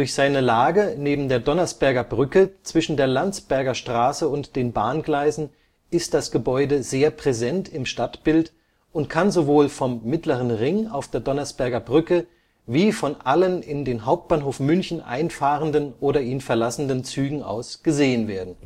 seine Lage neben der Donnersbergerbrücke zwischen der Landsberger Straße und den Bahngleisen ist das Gebäude sehr präsent im Stadtbild und kann sowohl vom Mittleren Ring auf der Donnersbergerbrücke wie von allen in den Hauptbahnhof München einfahrenden oder ihn verlassenden Zügen aus gesehen werden